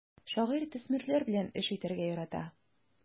Шагыйрь төсмерләр белән эш итәргә ярата.